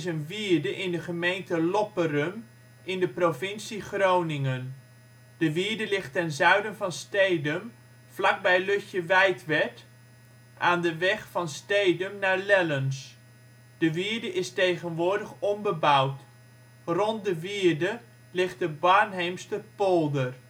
wierde in de gemeente Lopperum in de provincie Groningen. De wierde ligt ten zuiden van Stedum, vlak bij Lutjewijtwerd aan de weg van Stedum naar Lellens. De wierde is tegenwoordig onbebouwd. Rond de wierde ligt de Barnheemsterpolder